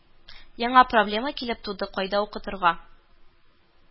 Яңа проблема килеп туды кайда укытырга